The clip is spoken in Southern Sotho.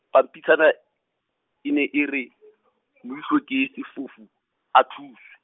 pampitshana, e ne e re , Moihlwe ke sefofu, a thuswe.